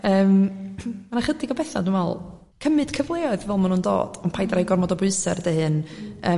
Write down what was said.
yym ma' 'na chydig o betha dwi me'l cymud cyfleoedd fel ma' nw'n dod ond paid rei gormod o bwysa ar dy hyn